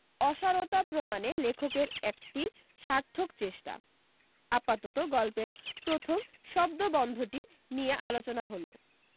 অসারতা প্রমানে লেখকের একটি স্বার্থক চেষ্টা আপাতত গল্পের প্রথম শব্দবন্ধটি নিয়ে আলোচনা হলো